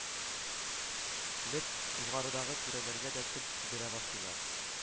Леп, югарыдагы түрәләргә дә тел тидерә башлыйлар